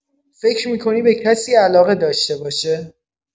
فکر می‌کنی به کسی علاقه داشته باشه؟